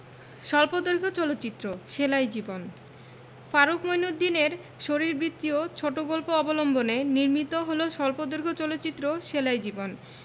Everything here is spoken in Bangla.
স্বল্পদৈর্ঘ্য চলচ্চিত্র সেলাই জীবন ফারুক মইনউদ্দিনের শরীরবৃত্তীয় ছোট গল্প অবলম্বনে নির্মিত হল স্বল্পদৈর্ঘ্য চলচ্চিত্র সেলাই জীবন